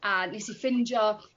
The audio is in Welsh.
a nes i ffindio...